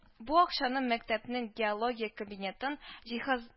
Бу акчаны мәктәпнең геология кабинетынын җиһаз